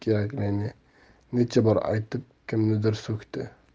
kerakligini necha bor aytib kimnidir so'kdi